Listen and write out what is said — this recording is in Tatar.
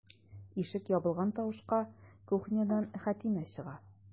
Ишек ябылган тавышка кухнядан Хәтимә чыга.